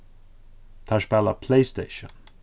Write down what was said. teir spæla playstation